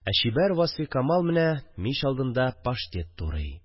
Ә чибәр Васфикамал менә мич алдында паштет турый